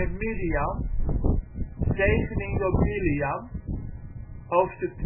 Midian, zegening door Bileam. (Hoofdstuk